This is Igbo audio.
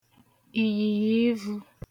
ị̀yị̀yìivū